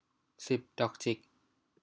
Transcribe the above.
สิบดอกจิก